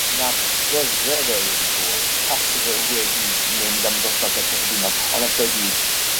na bydde fe wedi bod tasa fe wedi mynd am y dosbarthiad cyffredinol ond eto i gyd